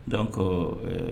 Dɔn ko